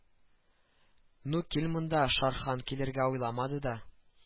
Ну кил монда шархан килергә уйламады да